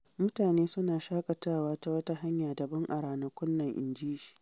“Mutane suna shaƙatawa ta wata hanya daban” a ranakun nan, injin shi.